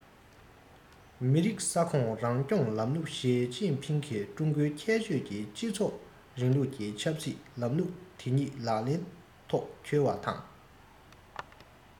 མི རིགས ས ཁོངས རང སྐྱོང ལམ ལུགས ཞིས ཅིན ཕིང གིས ཀྲུང གོའི ཁྱད ཆོས ཀྱི སྤྱི ཚོགས རིང ལུགས ཀྱི ཆབ སྲིད ལམ ལུགས དེ ཉིད ལག ལེན ཐོག འཁྱོལ བ དང